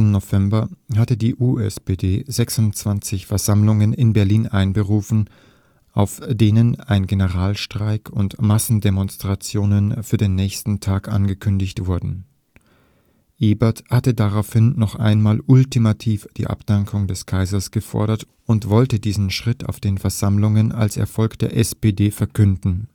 November hatte die USPD 26 Versammlungen in Berlin einberufen, auf denen ein Generalstreik und Massendemonstrationen für den nächsten Tag angekündigt wurden. Ebert hatte daraufhin noch einmal ultimativ die Abdankung des Kaisers gefordert und wollte diesen Schritt auf den Versammlungen als Erfolg der SPD verkünden